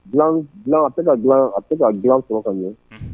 Dilan, dilan, a tɛ ka dilan a tɛ ka dilan sɔrɔ ka ɲɛ, unhun